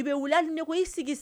I bɛ wuli hali ni ne ko i sigi